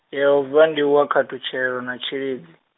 Yehova ndi wa khathutshelo na tshilidzi.